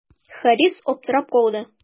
Харис аптырап калды.